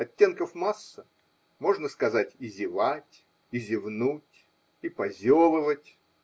Оттенков масса, можно сказать и "зевать", и "зевнуть", и "позевывать"